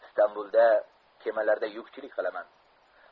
istambulda kemalarda yukchilik qilaman